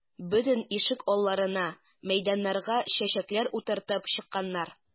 Бөтен ишек алларына, мәйданнарга чәчәкләр утыртып чыкканнар.